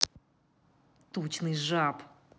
тучный жаб